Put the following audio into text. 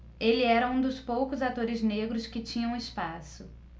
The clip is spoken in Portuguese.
ele era um dos poucos atores negros que tinham espaço